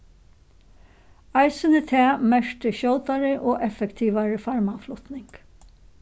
eisini tað merkti skjótari og effektivari farmaflutning